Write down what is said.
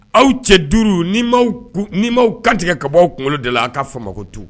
Aw cɛ duuru ni ni'aw kantigɛ kababaw kunkolo de la aw ka fa kotu